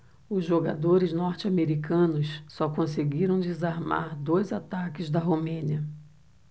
os jogadores norte-americanos só conseguiram desarmar dois ataques da romênia